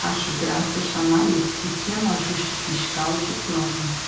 acho graça chamar esse pequeno ajuste fiscal de plano